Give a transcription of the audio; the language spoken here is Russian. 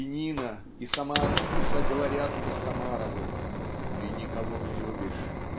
И Нина, и сама Анфиса говорят Костомарову: "Ты никого не любишь.